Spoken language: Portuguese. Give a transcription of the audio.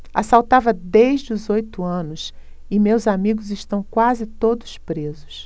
assaltava desde os oito anos e meus amigos estão quase todos presos